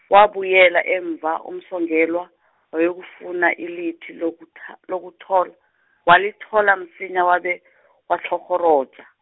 wabuyela emva uMsongelwa, wayokufuna ilithi lokutha- lokuthola, walithola msinya wabe , watlhorhoroja.